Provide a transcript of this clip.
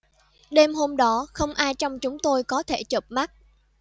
đêm hôm đó không ai trong chúng tôi có thể chợp mắt